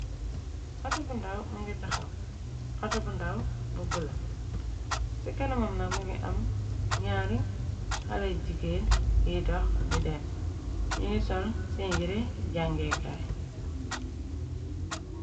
ndaw mi nga taxaw ata bu ndaw bu bëla ci kanamam na mingi am gnaari xale jigéet yiy dox di den ñu ngi sol sen jire jangeekaay